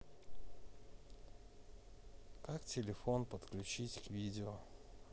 как телефон подключить к видео